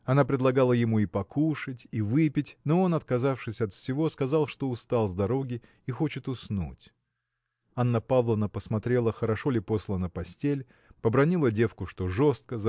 Она предлагала ему и покушать и выпить но он отказавшись от всего сказал что устал с дороги и хочет уснуть. Анна Павловна посмотрела хорошо ли постлана постель побранила девку что жестко